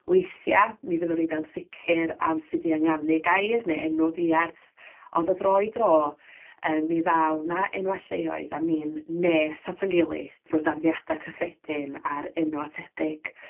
Weithiau, mi fyddwn ni'n ansicr am sut i ynganu gair neu enw diarth. Ond o dro i dro, yym, mi ddaw 'na enwau lleoedd â ni'n nes at ein gilydd drwy darddiadau cyffredin ar enwau tebyg.